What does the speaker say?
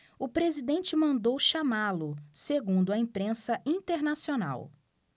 o presidente mandou chamá-lo segundo a imprensa internacional